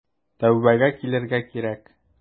Тәүбәгә килергә кирәк.